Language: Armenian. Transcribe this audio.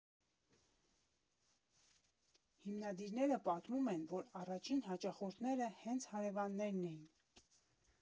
Հիմնադիրները պատմում են, որ առաջին հաճախորդները հենց հարևաններն էին։